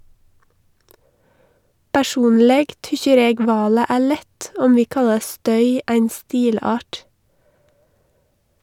Personleg tykkjer eg valet er lett, om vi kallar støy ein stilart.